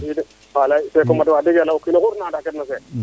ide wax deg yala o kiinoxu ref na anda kee refna a seek